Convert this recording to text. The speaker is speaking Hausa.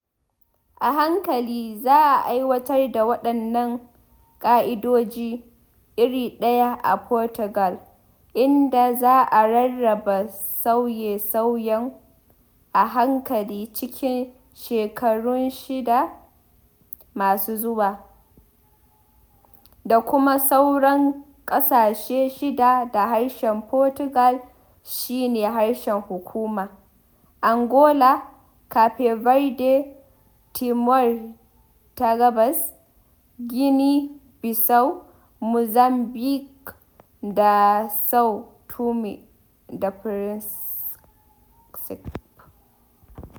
A hankali za a aiwatar da waɗannan ƙa’idoji iri ɗaya a Portugal, inda za a rarraba sauye-sauyen a hankali cikin shekarun shida masu zuwa, da kuma sauran ƙasashe shida da harshen Portugal shi ne harshen hukuma: Angola, Cape Verde, Timor ta Gabas, Guinea-Bissau, Mozambique, da São Tomé da Príncipe.